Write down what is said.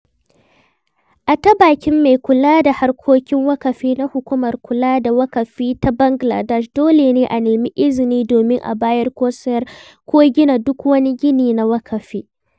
A ta bakin mai kula da harkokin waƙafi na Hukumar kula da Waƙafi ta Bangaladesh, dole ne a nemi izini domin a bayar ko sayar ko gina duk wani gini na waƙafi.